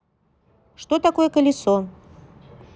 что такое колесо